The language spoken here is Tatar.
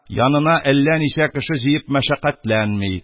Янына әллә ничә кеше җыеп мәшәкатьләнми,